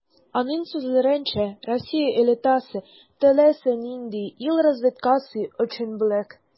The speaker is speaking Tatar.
Аның сүзләренчә, Россия элитасы - теләсә нинди ил разведкасы өчен бүләк.